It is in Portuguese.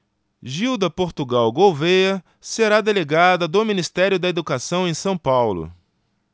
gilda portugal gouvêa será delegada do ministério da educação em são paulo